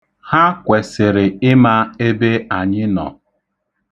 Ha kwesịrị ịma ebe anyị nọ.